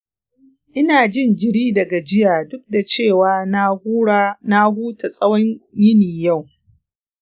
ina jin jiri da gajiya duk da cewa na huta tsawon yini yau.